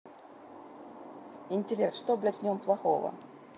интеллект что блядь в нем плохого